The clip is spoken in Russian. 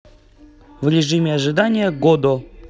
в режиме ожидания годо